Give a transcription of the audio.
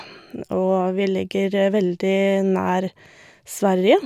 Og vi ligger veldig nær Sverige.